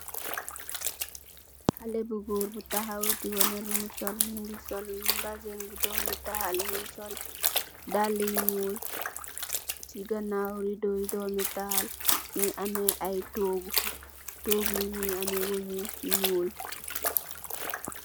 Hale bu goor bu tahaw, diwane lum sol, mingi sol beseng bu domtahal, mingi sol daale yu nyuul, si ganaaw rido yu domtahal, mingi amme ay toogu, toogu yi nyingi amme waaj nyu nyuul .